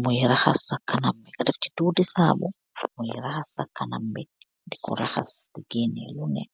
muiy rahass sa kanam bi, nga def ci tuti saabu muiy rahass sa kanam bi dikor rahass di gehnah lunek.